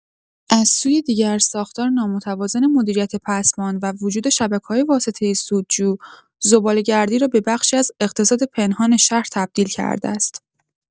از سوی دیگر، ساختار نامتوازن مدیریت پسماند و وجود شبکه‌های واسطه‌ای سودجو، زباله‌گردی را به بخشی از اقتصاد پنهان شهر تبدیل کرده است.